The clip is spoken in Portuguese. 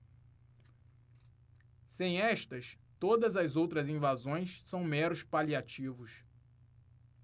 sem estas todas as outras invasões são meros paliativos